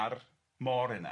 a'r môr yna.